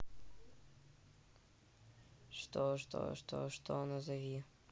что что что что назови